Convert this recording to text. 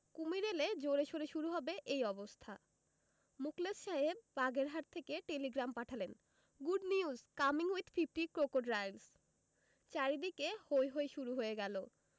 কুমীর এলে জোরে সোরে শুরু হবে এই অবস্থা মুখলেস সাহেব বাগেরহাট থেকে টেলিগ্রাম পাঠালেন good news. Coming with fifty crocodiles চারদিকে হৈ হৈ শুরু হয়ে গেল